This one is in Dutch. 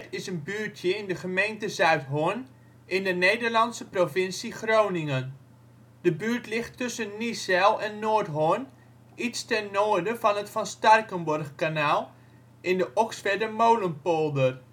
is een buurtje in de gemeente Zuidhorn in de Nederlandse provincie Groningen. De buurt ligt tussen Niezijl en Noordhorn, iets ten noorden van het van Starkenborghkanaal, in de Oxwerdermolenpolder